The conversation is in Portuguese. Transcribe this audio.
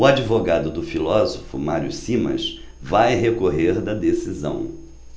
o advogado do filósofo mário simas vai recorrer da decisão